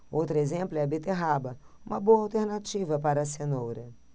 outro exemplo é a beterraba uma boa alternativa para a cenoura